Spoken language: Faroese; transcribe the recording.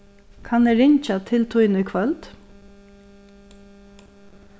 kann eg ringja til tín í kvøld